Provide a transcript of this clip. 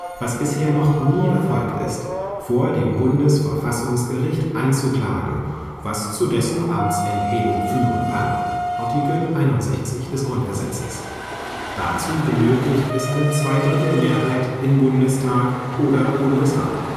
bisher noch nie erfolgt ist, vor dem Bundesverfassungsgericht anzuklagen, was zu dessen Amtsenthebung führen kann (Art. 61 GG). Dazu benötigt es eine Zweidrittelmehrheit in Bundestag oder Bundesrat